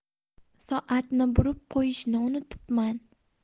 soatni burib qo'yishni unutibman